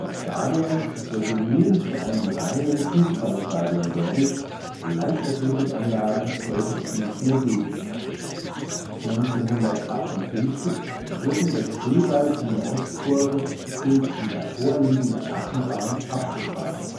Stadion sollte nun zu einem reinen Fußballstadion werden, Leichtathletikanlagen sollte es nicht mehr geben. 1958 wurden der Stehwall in der Ostkurve und die davor liegende Aschenbahn abgetragen